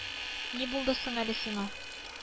Әлеге чара ике юбилейга багышлап уздырыла.